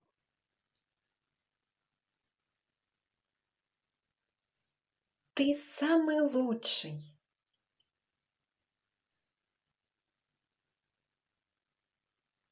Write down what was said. ты самый лучший